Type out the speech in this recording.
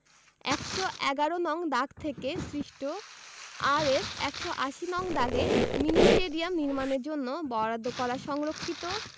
১১১ নং দাগ থেকে সৃষ্ট আরএস ১৮০ নং দাগে মিনি স্টেডিয়াম নির্মাণের জন্য বরাদ্দ করা সংরক্ষিত